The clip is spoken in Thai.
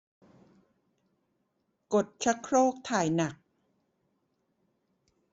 กดชักโครกถ่ายหนัก